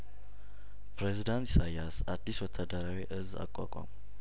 ፕሬዝዳንት ኢሳያስ አዲስ ወታደራዊ እዝ አቋቋሙ